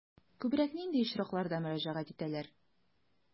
Күбрәк нинди очракларда мөрәҗәгать итәләр?